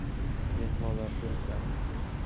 mehmonlar kelishadi